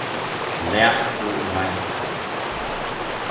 latur og meinskur